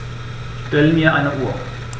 Stell mir eine Uhr.